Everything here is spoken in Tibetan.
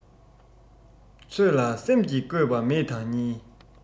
ཚོད ལ སེམས ཀྱི བཀོད པ མེད དང གཉིས